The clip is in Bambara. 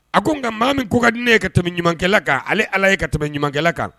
A ko nka maa min ko ka di ne ye ka tɛmɛ ɲumankɛla kan ale ala ye ka tɛmɛ ɲumankɛla kan